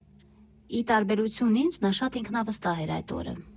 Ի տարբերություն ինձ՝ նա շատ ինքնավստահ էր այդ օրը։